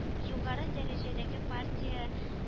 —югары дәрәҗәдәге партия